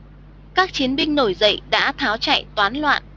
các chiến binh nổi dậy đã tháo chạy toán loạn